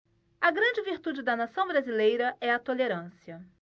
a grande virtude da nação brasileira é a tolerância